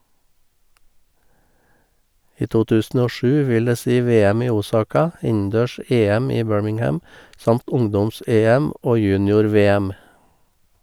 I 2007 vil det si VM i Osaka , innendørs-EM i Birmingham, samt ungdoms-EM og junior-VM.